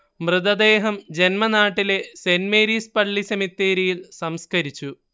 മൃതദേഹം ജന്മനാട്ടിലെ saint Mary's പള്ളി സെമിത്തേരിയിൽ സംസ്കരിച്ചു